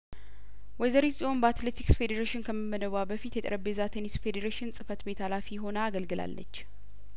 ወይዘሪት ጽዮን በአትሌቲክስ ፌዴሬሽን ከመመደቧ በፊት የጠረጴዛ ቴኒስ ፌዴሬሽን ጽፈት ቤት ሀላፊ ሆና አገልግላለች